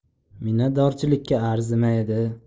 minnatdorchilikka arzimaydi